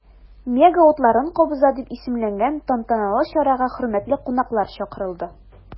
“мега утларын кабыза” дип исемләнгән тантаналы чарага хөрмәтле кунаклар чакырылды.